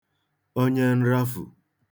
onye nrafù